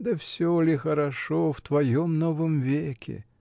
— Да всё ли хорошо в твоем новом веке?